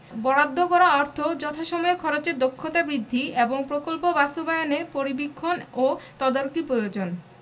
বরাদ্দ করা অর্থ যথাসময়ে খরচের দক্ষতা বৃদ্ধি এবং প্রকল্প বাস্তবায়নে পরিবীক্ষণ ও তদারকি প্রয়োজন